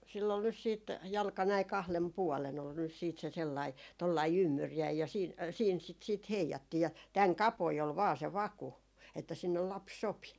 sillä oli nyt sitten jalka näin kahden puolen oli nyt sitten se sellainen tuollainen ymmyriäinen ja ja siinä siinä sitä sitten heijattiin ja tämän kapoinen oli vain se vaku että sinne lapsi sopi